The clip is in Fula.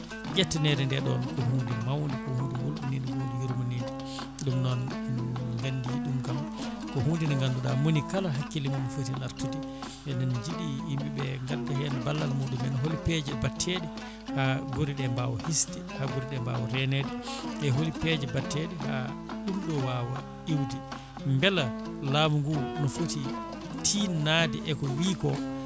ƴettanede ɗon ko hunde mawde ko hunde ko hunde hulɓinide ko hunde yurminide ɗum noon emin gadi ɗum kam ko hunde nde ganduɗa monikala hakkille mum ne artude enen jiiɗi yimɓeɓe gadda hen ballal muɗumen hol peeje mbatteɗe ha guure ɗe mbawa hiisde ha guure ɗe mbawa renede e hooli peeje mbatteɗe ha ɗum ɗo wawa iwde beela laamu ngu ne footi tinnade e ko wiiko